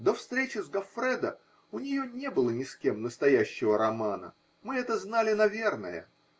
До встречи с Гоффредо у нее не было ни с кем настоящего романа. Мы это знали наверное.